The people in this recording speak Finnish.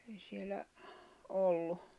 ei siellä ollut